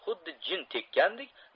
xuddi jin tekkandek